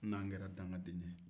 n'an kɛra dankaden ye